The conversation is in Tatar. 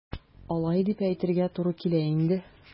Алай дип әйтергә туры килә инде.